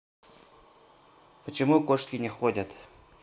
почему кошки не ходят